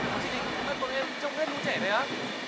chị định bắt bọn em trông hết lũ trẻ này á